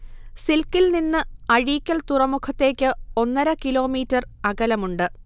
സിൽക്കിൽനിന്ന് അഴീക്കൽ തുറമുഖത്തേക്ക് ഒന്നര കിലോമീറ്റർ അകലമുണ്ട്